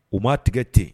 U ma tigɛ ten